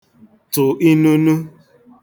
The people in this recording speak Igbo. tụ̀ inunu